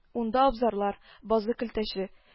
Уңда абзарлар, базы-келтәче